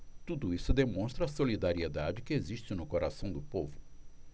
tudo isso demonstra a solidariedade que existe no coração do povo